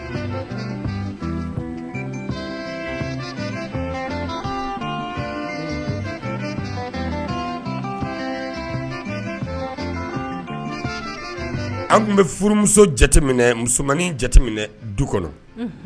An tun bɛ furumuso jateminɛ musomanmaninin jateminɛ du kɔnɔ